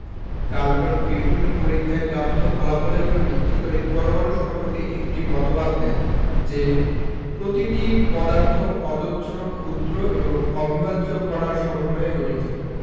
Dalton বিভিন্ন পরীক্ষায় প্রাপ্ত ফলাফলের উপর ভিত্তি করে পরমাণু সম্পর্কে একটি মতবাদ দেন যে প্রতিটি পদার্থ অজস্র ক্ষুদ্র এবং অবিভাজ্য কণার সমন্বয়ে গঠিত